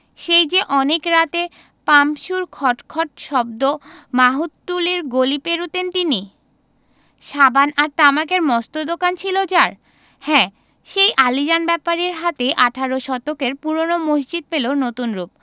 সেই যে অনেক রাতে পাম্পসুর খট খট শব্দ মাহুতটুলির গলি পেরুতেন তিনি সাবান আর তামাকের মস্ত দোকান ছিল যার হ্যাঁ সেই আলীজান ব্যাপারীর হাতেই আঠারো শতকের পুরোনো মসজিদ পেলো নতুন রুপ